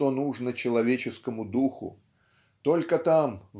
что нужно человеческому духу только там